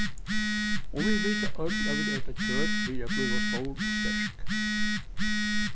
og vit vita øll at vit eta kjøt fyri at blíva stór og sterk